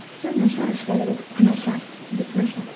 Сез начар эшләдегез, начар, бик начар.